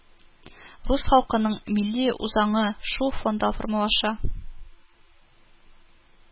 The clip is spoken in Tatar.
Рус халкының милли үзаңы шул фонда формалаша